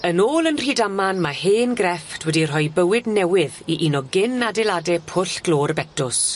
Yn ôl yn Rhydaman ma' hen grefft wedi rhoi bywyd newydd i un o gyn-adeilade Pwll Glo'r Betws.